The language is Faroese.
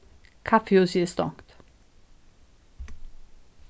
kaffihúsið er stongt